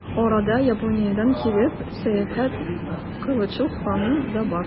Арада, Япониядән килеп, сәяхәт кылучы ханым да бар.